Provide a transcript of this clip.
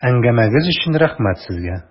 Әңгәмәгез өчен рәхмәт сезгә!